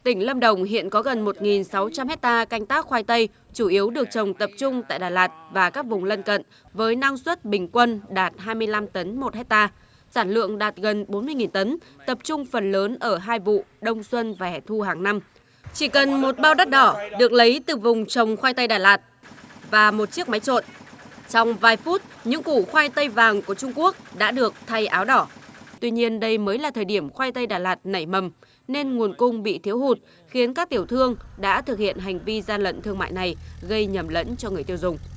tỉnh lâm đồng hiện có gần một nghìn sáu trăm héc ta canh tác khoai tây chủ yếu được trồng tập trung tại đà lạt và các vùng lân cận với năng suất bình quân đạt hai mươi lăm tấn một héc ta sản lượng đạt gần bốn mươi nghìn tấn tập trung phần lớn ở hai vụ đông xuân vẻ thu hàng năm chỉ cần một bao đất đỏ được lấy từ vùng trồng khoai tây đà lạt và một chiếc máy trộn trong vài phút những củ khoai tây vàng của trung quốc đã được thay áo đỏ tuy nhiên đây mới là thời điểm khoai tây đà lạt nảy mầm nên nguồn cung bị thiếu hụt khiến các tiểu thương đã thực hiện hành vi gian lận thương mại này gây nhầm lẫn cho người tiêu dùng